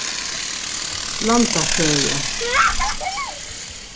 landafrøði